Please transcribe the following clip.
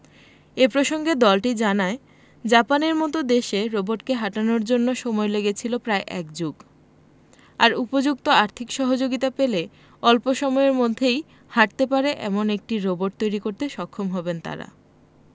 এ প্রসঙ্গে দলটি জানায় জাপানের মতো দেশে রোবটকে হাঁটানোর জন্য সময় লেগেছিল প্রায় এক যুগ আর উপযুক্ত আর্থিক সহায়তা পেলে অল্প সময়ের মধ্যেই হাঁটতে পারে এমন রোবট তৈরি করতে সক্ষম হবেন তারা